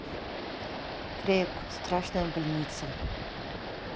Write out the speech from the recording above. kreyk страшная больница